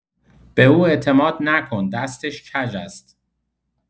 به او اعتماد نکن، دستش کج است.